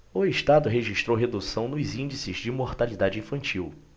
o estado registrou redução nos índices de mortalidade infantil